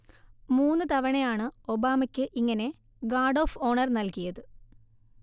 മൂന്ന് തവണയാണ് ഒബാമയ്ക്ക് ഇങ്ങനെ ഗാർഡ് ഒഫ് ഓണർ നൽകിയത്